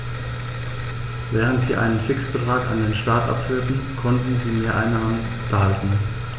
Während sie einen Fixbetrag an den Staat abführten, konnten sie Mehreinnahmen behalten.